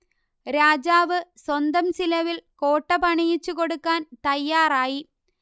രാജാവ് സ്വന്തം ചിലവിൽ കോട്ട പണിയിച്ചു കൊടുക്കാൻ തയ്യാറായി